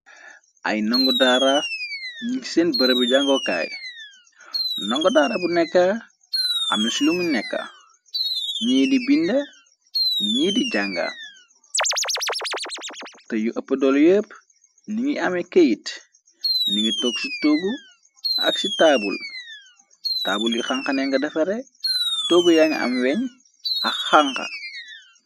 Ay ndongo daara ñi seen bërëbi jangokaay ndongo daara bu nekka amna ci lumu nekka nii di binda nii di jànga te yu ëpp dol yepp ni ngi ame keyit ningi togg ci tóggu ak ci taabul taabul yu xanxanee nga defare toggu-yanga am weeñ ax xanxa.